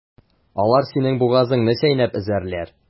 Алар синең бугазыңны чәйнәп өзәрләр.